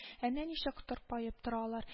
Әнә ничек тырпаеп торалар